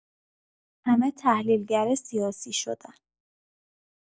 همه تحلیلگر سیاسی شدن.